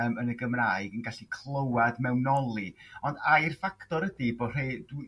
yym yn y Gymraeg yn gallu clywad mewnoli ond ai'r ffactor ydi bo' rhe- dwi